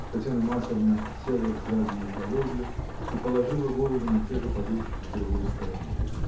Татьяна Марковна села сзади изголовья и положила голову на те же подушки с другой стороны.